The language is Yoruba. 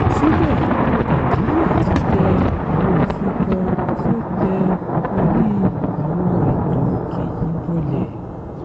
Síbẹ̀, Nàìjíríà tí tẹ àwọn òfin kan tí ó tẹ orí àwọn ẹ̀tọ́ òkè yìí bọlẹ̀.